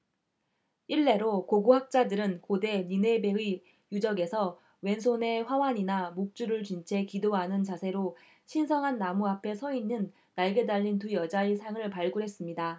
일례로 고고학자들은 고대 니네베의 유적에서 왼 손 에 화환이나 묵주를 쥔 채 기도하는 자세로 신성한 나무 앞에 서 있는 날개 달린 두 여자의 상을 발굴했습니다